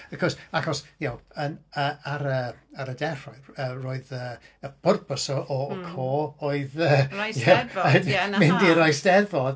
Achos achos y'know yn yy... ar yr ar y dechrau roedd y y pwrpas o y côr oedd mynd i'r Eisteddfod.